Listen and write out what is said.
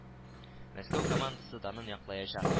Мәскәү командасы данын яклаячак